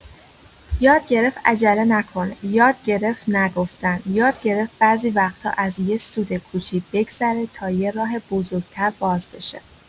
یاد گرفت عجله نکنه، یاد گرفت نه گفتن، یاد گرفت بعضی وقتا از یه سود کوچیک بگذره تا یه راه بزرگ‌تر باز بشه.